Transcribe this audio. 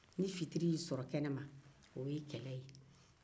ni fitiri y'i sɔrɔ kɛnɛ ma o ye kɛlɛ ye